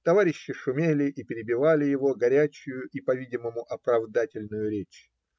товарищи шумели и перебивали его горячую и, по-видимому, оправдательную речь.